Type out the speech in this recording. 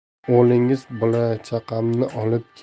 o'g'lingiz bolachaqamni olib kelay